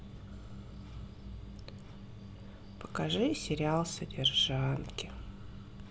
покажи сериал содержанки